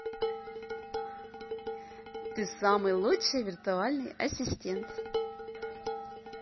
ты самый лучший виртуальный ассистент